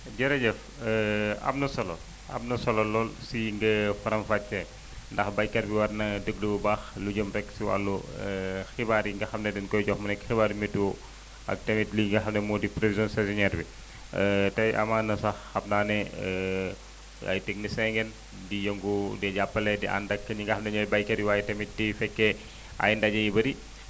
jërëjëf am na solo am na solo lool si nga faram-fàccee ndax baykat bi war na déglu bu baax lu jëm rek si wàllu xibaar yi nga ne dañu koy jox mu nekk xibaaru météo ak tamit li nga xam ne moo di prévision saisonière bi tey amaa na sax xam naa ne ay tehnicien ngeen di yëngu di jàppale di ànd ak ñi nga xam ni ñooy baykat yi waaye tamit di fekkee ay ndaje yu bëri